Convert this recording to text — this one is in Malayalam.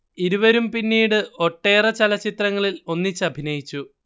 ഇരുവരും പിന്നീട് ഒട്ടേറെ ചലച്ചിത്രങ്ങളിൽ ഒന്നിച്ചഭിനയിച്ചു